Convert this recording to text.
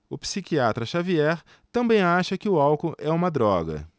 o psiquiatra dartiu xavier também acha que o álcool é uma droga